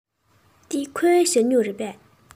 འདི ཁོའི ཞ སྨྱུག རེད པས